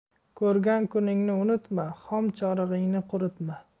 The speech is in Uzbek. ko'rgan kuningni unutma xom chorig'ingni quritma